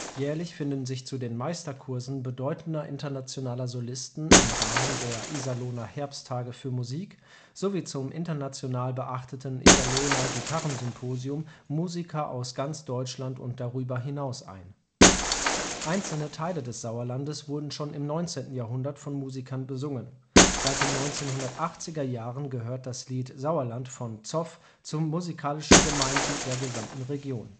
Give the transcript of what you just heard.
Jährlich finden sich zu den Meisterkursen bedeutender internationaler Solisten im Rahmen der „ Iserlohner Herbsttage für Musik “sowie zum international beachteten „ Iserlohner Gitarrensymposion “Musiker aus ganz Deutschland und darüber hinaus ein. Einzelne Teile des Sauerlandes wurden schon im 19. Jahrhundert von Musikern besungen. Seit den 1980er Jahren gehört das Lied „ Sauerland “von „ Zoff “zum musikalischen Gemeingut der gesamten Region